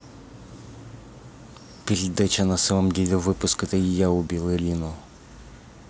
передача на самом деле выпуск это я убил ирину